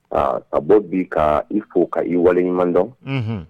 A ka bɔ bi ka i fo ka i waleɲuman dɔn Unhun